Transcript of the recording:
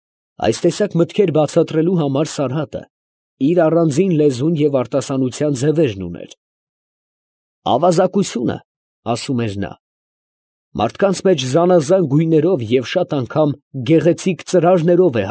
Այս տեսակ մտքեր բացատրելու համար Սարհատը իր առանձին լեզուն և արտասանության ձևերն ուներ, «Ավազակությունը, ֊ ասում էր նա, ֊ մարդկանց մեջ զանազան գույներով և շատ անգամ գեղեցիկ ծրարներով է։